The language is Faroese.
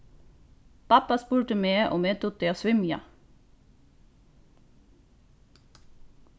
babba spurdi meg um eg dugdi at svimja